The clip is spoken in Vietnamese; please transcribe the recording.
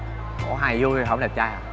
ủa hài vui không đẹp trai à